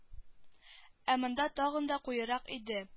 Ә монда тагын да куерак иде